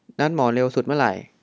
นัดหมอเร็วสุดเมื่อไหร่